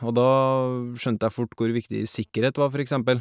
Og da skjønte jeg fort hvor viktig sikkerhet var, for eksempel.